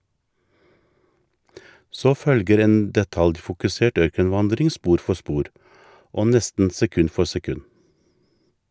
Så følger en detaljfokusert ørkenvandring spor for spor, og nesten sekund for sekund.